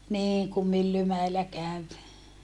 niin kun Myllymäellä kävi